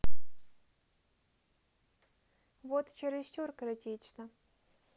вот чересчур критично